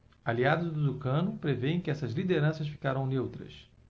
aliados do tucano prevêem que essas lideranças ficarão neutras